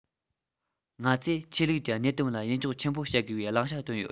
ང ཚོས ཆོས ལུགས ཀྱི གནད དོན ལ ཡིད འཇོག ཆེན པོ བྱ དགོས པའི བླང བྱ བཏོན ཡོད